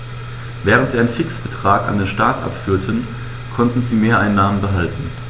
Während sie einen Fixbetrag an den Staat abführten, konnten sie Mehreinnahmen behalten.